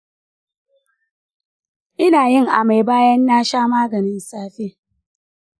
ina yin amai bayan na sha maganin safe.